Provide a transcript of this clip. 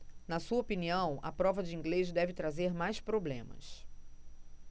na sua opinião a prova de inglês deve trazer mais problemas